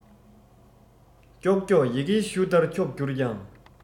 ཀྱོག ཀྱོག ཡི གེ གཞུ ལྟར འཁྱོག གྱུར ཀྱང